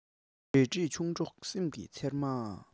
འདྲིས འདྲིས ཆུང གྲོགས སེམས ཀྱི ཚེར མ